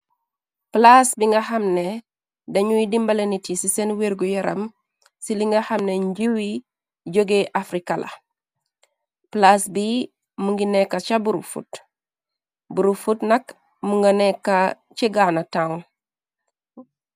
Palaas bi nga xamne dañuy dimbala nit yi ci seen wergu yaram ci li nga xamne njiwi joge afrika la palaas bi mu ngi nekka ca buru fut buru fut nak mu nga nekka ci gaana town.